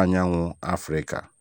nke ochie na nke ọhụrụ.